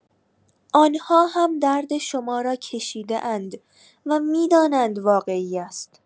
آن‌ها هم‌درد شما را کشیده‌اند و می‌دانند واقعی است.